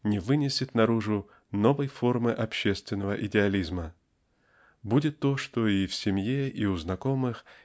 не вынесет наружу новой формы общественного идеализма. Будет то что и в семье и у знакомых